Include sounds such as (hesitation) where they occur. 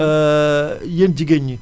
(hesitation) yéen jigéen ñi